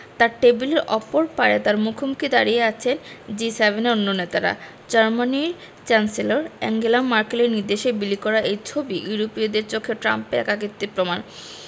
আর টেবিলের অপর পারে তাঁর মুখোমুখি দাঁড়িয়ে আছেন জি ৭ এর অন্য নেতারা জার্মানির চ্যান্সেলর আঙ্গেলা ম্যার্কেলের নির্দেশে বিলি করা এই ছবি ইউরোপীয়দের চোখে ট্রাম্পের একাকিত্বের প্রমাণ